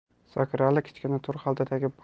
zokirali kichkina to'r xaltadagi